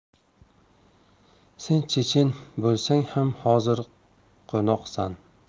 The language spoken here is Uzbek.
sen chechen bo'lsang ham hozir qo'noqsan